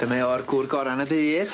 Dyma o'r gŵr gorau'n y byd.